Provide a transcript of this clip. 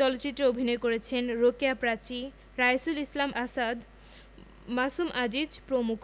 চলচ্চিত্রে অভিনয় করেছেন রোকেয়া প্রাচী রাইসুল ইসলাম আসাদ মাসুম আজিজ প্রমুখ